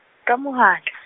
ka mohatla.